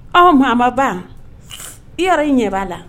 Ɔ maaba ban i yɛrɛ i ɲɛ b'a la